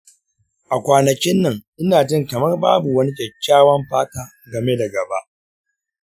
a kwanakin nan ina jin kamar babu wani kyakkyawan fata game da gaba.